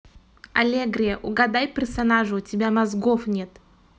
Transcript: alegria угадай персонажа у тебя мозгов нет